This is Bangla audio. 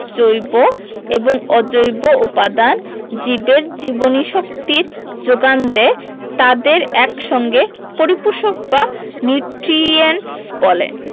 জৈব এবং অজৈব উপাদান জীবের জীবনীশক্তির যোগান দেয় তাদের এক সঙ্গে পরিপোষক বা নিউট্রিয়েন্টস বলে